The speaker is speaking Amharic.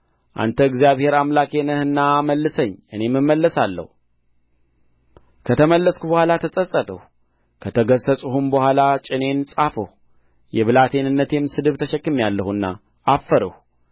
አንተ እግዚአብሔር አምላኬ ነህና መልሰኝ እኔም እመለሳለሁ ከተመለስሁ በኋላ ተጸጸትሁ ከተገሠጽሁም በኋላ ጭኔን ጸፋሁ የብላቴንነቴንም ስድብ ተሸክሜአለሁና አፈርሁ